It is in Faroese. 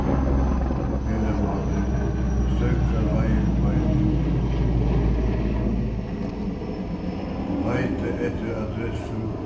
til ferðamálið støðga leiðbeining leita eftir adressu